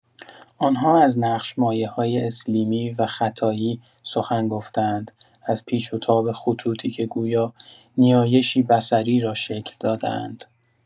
آن‌ها از نقش مایه‌های اسلیمی و ختایی سخن گفته‌اند، از پیچ‌وتاب خطوطی که گویا نیایشی بصری را شکل داده‌اند.